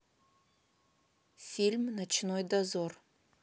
фильм ночной дозор